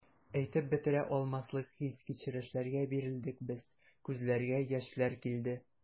Әйтеп бетерә алмаслык хис-кичерешләргә бирелдек без, күзләргә яшьләр килде.